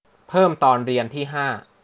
เพิ่มตอนเรียนที่ห้า